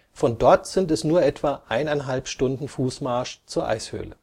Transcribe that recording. Von dort sind es etwa eineinhalb Stunden Fußmarsch zur Eishöhle